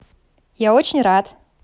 я очень рад